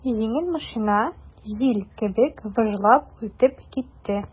Җиңел машина җил кебек выжлап үтеп китте.